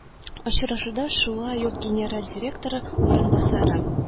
Очрашуда шулай ук генераль директоры урынбасары